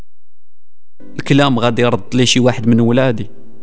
كلام غدير ليش واحد من اولادي